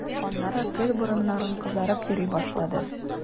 Аннары гел борыннарың кызарып йөри башлады.